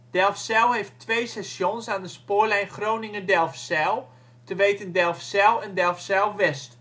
Delfzijl heeft twee stations aan de Spoorlijn Groningen - Delfzijl, te weten Delfzijl en Delfzijl-West